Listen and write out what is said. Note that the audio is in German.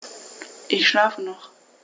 Ich schlafe noch.